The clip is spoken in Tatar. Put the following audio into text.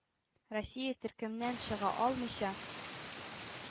Россия төркемнән чыга алмыйча,